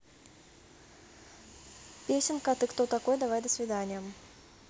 песенка ты кто такой давай до свидания